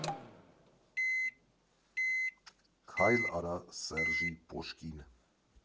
֊ Քայլ արա Սեռժի պոշկին։